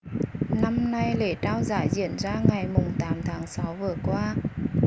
năm nay lễ trao giải diễn ra ngày mùng tám tháng sáu vừa qua